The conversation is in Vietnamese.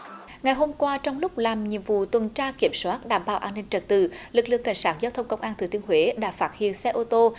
ngày hôm qua trong lúc làm nhiệm vụ tuần tra kiểm soát đảm bảo an ninh trật tự lực lượng cảnh sát giao thông công an thừa thiên huế đã phát hiện xe ô tô